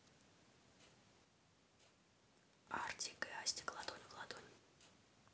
артик и астик ладонь в ладонь